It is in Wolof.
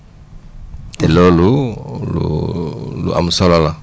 te loolu lu am solo la